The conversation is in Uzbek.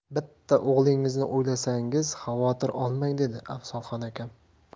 bitta o'g'lingizni o'ylasangiz xavotir olmang dedi afzalxon akam